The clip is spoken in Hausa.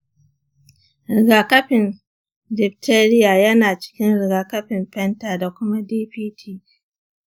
rigakafin diphtheria yana cikin rigakafin penta da kuma dpt.